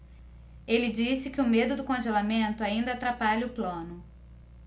ele disse que o medo do congelamento ainda atrapalha o plano